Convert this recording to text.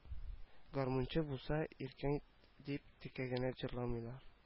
Гармунчы булсын иркәң дип тиккә генә җырламыйлар